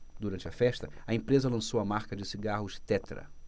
durante a festa a empresa lançou a marca de cigarros tetra